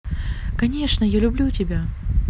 конечно а я люблю тебя